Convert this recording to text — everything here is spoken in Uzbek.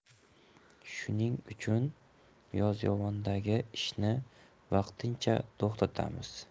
shuning uchun yozyovondagi ishni vaqtincha to'xtatamiz